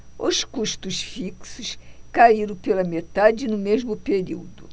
os custos fixos caíram pela metade no mesmo período